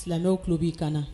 Silamɛw tulo b'i kan na.